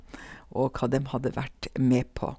Og hva dem hadde vært med på.